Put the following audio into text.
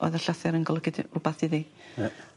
oedd y llythyr yn golygu di- rwbath iddi. Ie?